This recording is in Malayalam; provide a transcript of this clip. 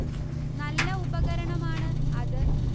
നല്ല ഉപകരണം ആണ് അത്